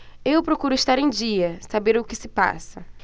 eu procuro estar em dia saber o que se passa